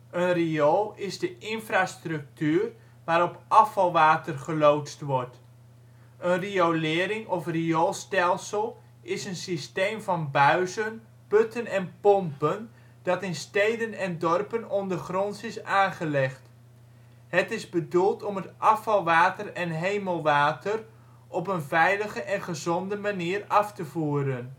riool is de infrastructuur waarop afvalwater geloosd wordt. Een riolering of rioolstelsel is een systeem van buizen, putten en pompen dat in steden en dorpen ondergronds is aangelegd. Het is bedoeld om het afvalwater en hemelwater op een veilige en gezonde manier af te voeren